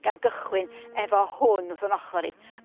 gan gychwyn efo hwn wrth 'yn ochor i.